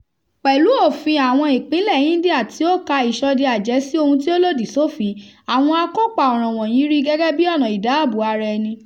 Pẹ̀lú òfin àwọn ìpínlẹ̀ India tí ó ka ìṣọdẹ-àjẹ́ sí ohun tí ó lòdì sófin, àwọn akópa ọ̀ràn wọ̀nyí rí i gẹ́gẹ́ bí ọ̀nà ìdáààbò-ara-ẹni.